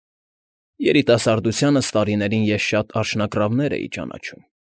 Երիտասարդությանս տարիներին ես շատ արջնագռավներ էի ճանաչում։